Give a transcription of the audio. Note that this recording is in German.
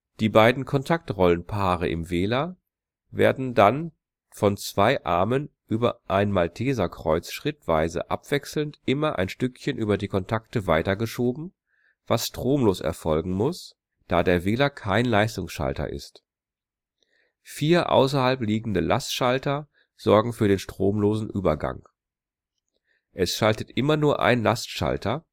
Die beiden Kontaktrollenpaare im Wähler werden dann von zwei Armen über ein Malteserkreuz schrittweise abwechselnd immer ein Stückchen über die Kontakte weitergeschoben, was stromlos erfolgen muss, da der Wähler kein Leistungsschalter ist. Vier außerhalb liegende Lastschalter sorgen für den stromlosen Übergang. Es schaltet immer nur ein Lastschalter